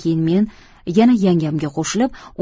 keyin men yana yangamga qo'shilib